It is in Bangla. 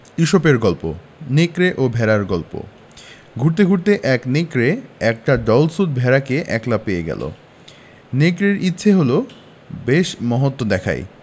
ইসপের গল্প নেকড়ে ও ভেড়ার গল্প ঘুরতে ঘুরতে এক নেকড়ে একটা দলছুট ভেড়াকে একলা পেয়ে গেল নেকড়ের ইচ্ছে হল বেশ মহত্ব দেখায়